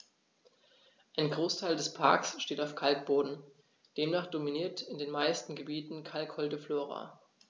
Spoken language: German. Ein Großteil des Parks steht auf Kalkboden, demnach dominiert in den meisten Gebieten kalkholde Flora.